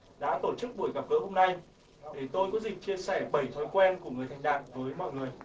đã tổ chức buổi gặp gỡ hôm nay để tôi có dịp chia sẻ bảy thói quen của người thành đạt với mọi người